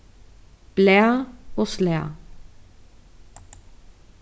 blað og slag